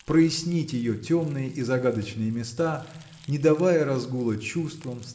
прояснить ее темные и загадочные места не давая разгула чувствам